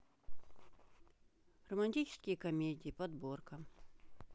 романтические комедии подборка